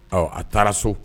Awɔ a taara so